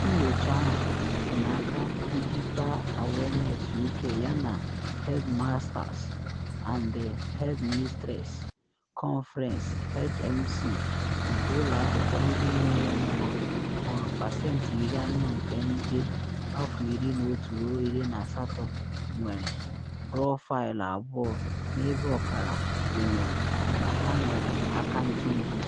Nyocha ahụ, si n’aka Digital Awareness UK yana Headmasters” and Headmistresses” Conference (HMC) nke ụlọ akwụkwọ ndị nnwere onwe, hụrụ pasentị 40 nke ndị afọ 11 ruo 18 nwere profaịlụ abụọ, n’ebe ọkara kwenyere na ha nwere akaụntụ nzuzo.